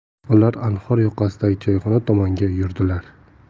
ular anhor yoqasidagi choyxona tomonga yurdilar